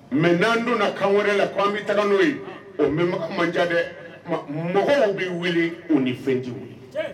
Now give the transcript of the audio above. Mais n'an donna kan wɛrɛ la k'an bɛ taa n'o ye, o mɛn baga man ca dɛ. Mɔgɔw bɛ wili, o ni fɛn tɛ wili.